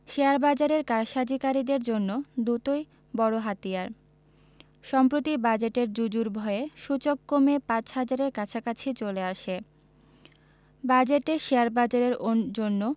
শেয়ারবাজারের কারসাজিকারীদের জন্য দুটোই বড় হাতিয়ার সম্প্রতি বাজেটের জুজুর ভয়ে সূচক কমে ৫ হাজারের কাছাকাছি চলে আসে বাজেটে শেয়ারবাজারের জন্য